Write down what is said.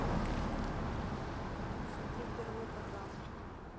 смотреть первую программу